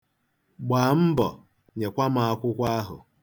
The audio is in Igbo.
Gbaa mbọ nyekwa m akwụkwọ ahụ.